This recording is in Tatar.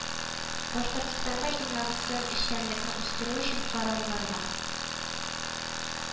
Башкортстанда инновацион эшчәнлекне үстерү өчен карарларга